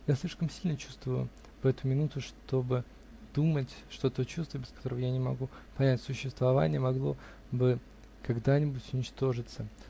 Я слишком сильно чувствую в эту минуту, чтобы думать, что то чувство, без которого я не могу понять существования, могло бы когда-нибудь уничтожиться.